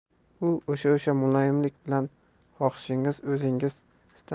u o'sha o'sha muloyimlik bilan xohishingiz